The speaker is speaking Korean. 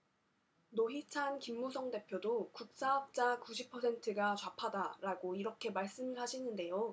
노회찬 김무성 대표도 국사학자 구십 퍼센트가 좌파다라고 이렇게 말씀을 하시는데요